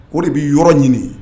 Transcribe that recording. O de bɛ yɔrɔ ɲini